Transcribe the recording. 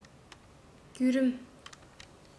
བརྒྱུད རིམ